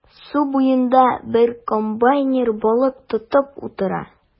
Су буенда бер комбайнер балык тотып утыра.